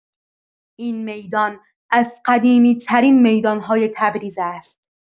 این میدان از قدیمی‌ترین میدان‌های تبریز است.